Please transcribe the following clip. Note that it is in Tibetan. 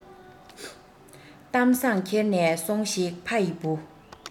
གཏམ བཟང འཁྱེར ནས སོང ཞིག ཕ ཡི བུ